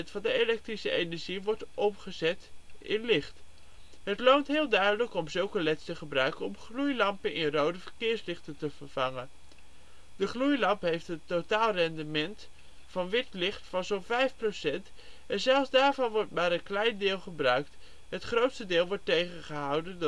van de elektrische energie wordt omgezet in licht). Het loont heel duidelijk om zulke leds te gebruiken om gloeilampen in rode verkeerslichten te vervangen: de gloeilamp heeft een totaal rendement van wit licht van zo 'n 5 procent, en zelfs daarvan wordt maar een klein deel gebruikt (het grootste deel wordt tegengehouden